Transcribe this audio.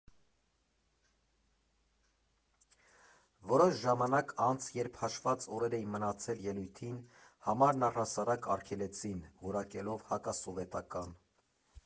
Որոշ ժամանակ անց, երբ հաշված օրեր էին մնացել ելույթին, համարն առհասարակ արգելեցին՝ որակելով հակասովետական։